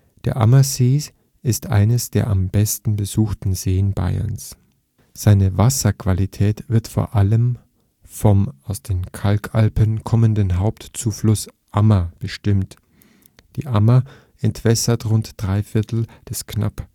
Der Ammersee ist einer der am besten untersuchten Seen Bayerns. Seine Wasserqualität wird vor allem vom aus den Kalkalpen kommenden Hauptzufluss Ammer bestimmt. Die Ammer entwässert rund drei Viertel des knapp